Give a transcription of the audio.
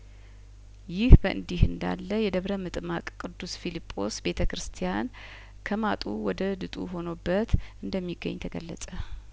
ይህ በእንዲህ እንዳለ የደብረምጥማቅ ቅዱስ ፊልጶስ ቤተ ክርስቲያን ከማጡ ወደ ድጡ ሆኖበት እንደሚገኝ ተገለጸ